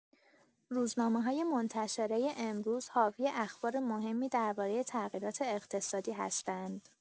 روزنامه‌های منتشره امروز حاوی اخبار مهمی درباره تغییرات اقتصادی هستند.